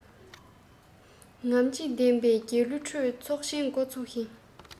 རྔམ བརྗིད ལྡན པའི རྒྱལ གླུའི ཁྲོད ཚོགས ཆེན འགོ ཚུགས ཤིང